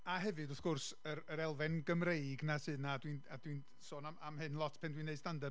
A hefyd, wrth gwrs, yr yr elfen Gymreig 'na sydd 'na, a dwi'n, a dwi'n sôn am, am hyn lot pan dwi'n wneud stand-up,